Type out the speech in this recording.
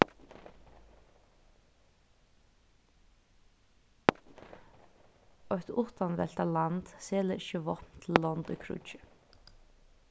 eitt uttanveltað land selur ikki vápn til lond í kríggi